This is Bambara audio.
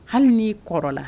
Hali n'i kɔrɔ la